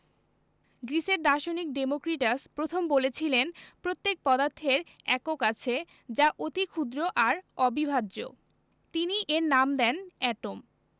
গ্রিসের দার্শনিক ডেমোক্রিটাস প্রথম বলেছিলেন প্রত্যেক পদার্থের একক আছে যা অতি ক্ষুদ্র আর অবিভাজ্য তিনি এর নাম দেন এটম